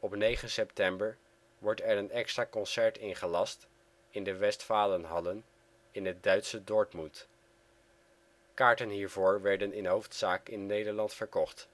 Op 9 september wordt er een extra concert ingelast in de Westfalen Hallen in het Duitse Dortmund. Kaarten hiervoor werden in hoofdzaak in Nederland verkocht